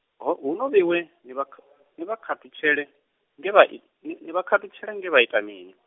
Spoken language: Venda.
ho- huno vheiwe, ni vha kh- ni vha khathutshela nge vhai i ni vha khathutshela nge vha ita mini?